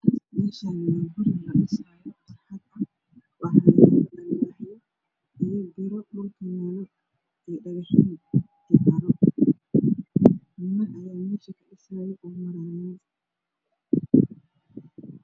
Meeshaani waa guri la dhisaayo jaranjaro niman Aya meesha dhisaayo